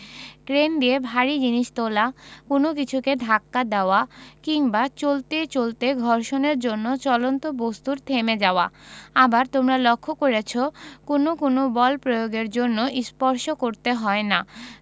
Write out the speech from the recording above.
crane দিয়ে ভারী জিনিস তোলা কোনো কিছুকে ধাক্কা দেওয়া কিংবা চলতে চলতে ঘর্ষণের জন্য চলন্ত বস্তুর থেমে যাওয়া আবার তোমরা লক্ষ করেছ কোনো কোনো বল প্রয়োগের জন্য স্পর্শ করতে হয় না